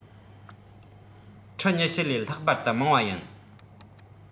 ཁྲི ༢༠ ལས ལྷག པར དུ མང བ ཡིན